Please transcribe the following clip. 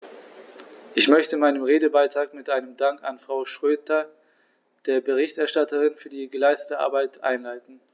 Ich möchte meinen Redebeitrag mit einem Dank an Frau Schroedter, der Berichterstatterin, für die geleistete Arbeit einleiten.